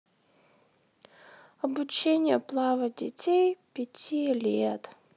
обучение плавать детей пяти лет